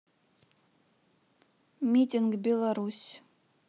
митинг беларусь